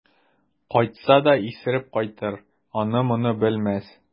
Кайтса да исереп кайтыр, аны-моны белмәс.